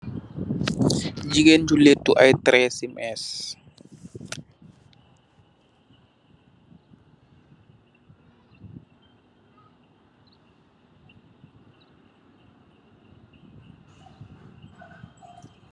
Gigeen ju lèttu ay teressii mess.